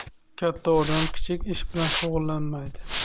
katta odam kichik ish bilan shug'ullanmaydi